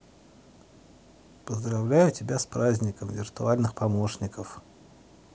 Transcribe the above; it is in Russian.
поздравляю тебя с праздником виртуальных помощников